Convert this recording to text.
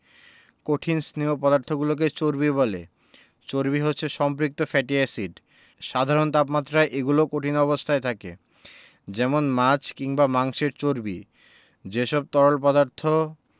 কঠিন স্নেহ পদার্থগুলোকে চর্বি বলে চর্বি হচ্ছে সম্পৃক্ত ফ্যাটি এসিড সাধারণ তাপমাত্রায় এগুলো কঠিন অবস্থায় থাকে যেমন মাছ কিংবা মাংসের চর্বি যেসব স্নেহ তরল পদার্থ